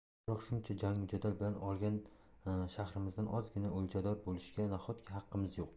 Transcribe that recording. biroq shuncha jangu jadal bilan olgan shahrimizdan ozgina o'ljador bo'lishga nahotki haqqimiz yo'q